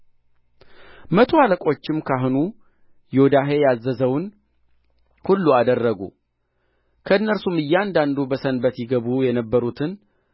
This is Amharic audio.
መቶ አለቆችም ካህኑ ዮዳሄ ያዘዘውን ሁሉ አደረጉ ከእነርሱም እያንዳንዱ በሰንበት ይገቡ የነበሩትን